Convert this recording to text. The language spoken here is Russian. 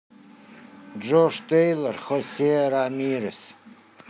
джош тейлор хосе рамирес